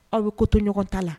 Aw bɛ ko to ɲɔgɔn ta la